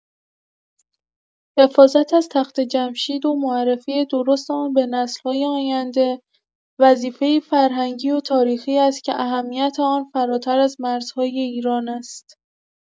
حفاظت از تخت‌جمشید و معرفی درست آن به نسل‌های آینده، وظیفه‌ای فرهنگی و تاریخی است که اهمیت آن فراتر از مرزهای ایران است.